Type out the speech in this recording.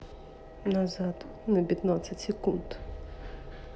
назад на пятнадцать секунд